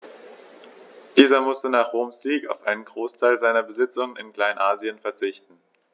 Dieser musste nach Roms Sieg auf einen Großteil seiner Besitzungen in Kleinasien verzichten.